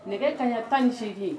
Nɛgɛ kaɲakan n sigi